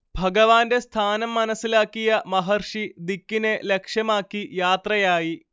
ഭഗവാന്റെ സ്ഥാനം മനസ്സിലാക്കിയ മഹർഷി ദിക്കിനെ ലക്ഷ്യമാക്കി യാത്രയായി